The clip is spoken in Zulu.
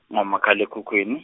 ngomakhal'ekhukhwini.